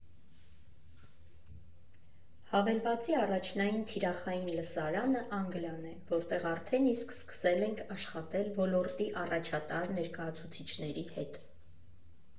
Հավելվածի առաջնային թիրախային լսարանը Անգլիան է, որտեղ արդեն իսկ սկսել ենք աշխատել ոլորտի առաջատար ներկայացուցիչների հետ։